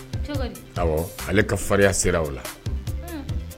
Cogo di? Awɔ ale ka farinya de sera aw la.